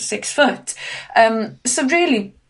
six foot, yym, so rili